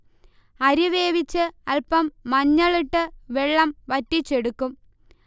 അരി വേവിച്ച് അൽപം മഞ്ഞളിട്ട് വെള്ളം വറ്റിച്ചെടുക്കും